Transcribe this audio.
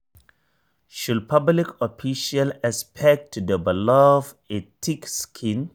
Should public officials expect to develop a thick skin?